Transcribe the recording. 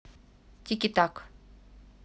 тики так